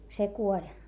se kuoli